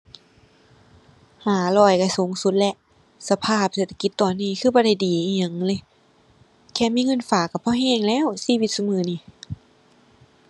ห้าร้อยก็สูงสุดแล้ว สภาพเศรษฐกิจตอนนี้คือบ่ได้ดีอิหยังเลย แค่มีเงินฝากก็พอก็แล้วชีวิตซุมื้อนี่